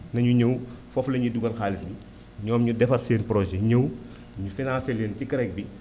na ñu ñëw foofu la ñuy dugal xaalis bi ñoom ñu defar seen projet ñëw ñu financé leen ci CREC bi